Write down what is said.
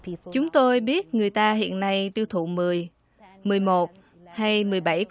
chúng tôi biết người ta hiện nay tiêu thụ mười mười một hay mười bảy